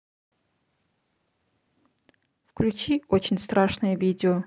включи очень страшное видео